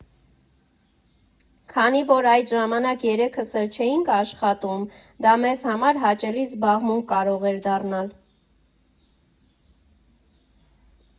Քանի որ այդ ժամանակ երեքս էլ չէինք աշխատում, դա մեզ համար հաճելի զբաղմունք կարող էր դառնալ։